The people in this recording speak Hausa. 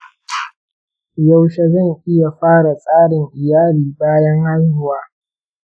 yaushe zan iya fara tsarin iyali bayan haihuwa?